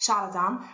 siarad am